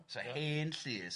So henllys.